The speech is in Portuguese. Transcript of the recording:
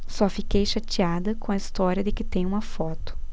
só fiquei chateada com a história de que tem uma foto